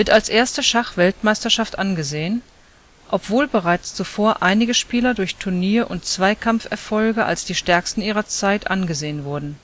als erste Schachweltmeisterschaft angesehen, obwohl bereits zuvor einige Spieler durch Turnier - und Zweikampferfolge als die stärksten ihrer Zeit angesehen wurden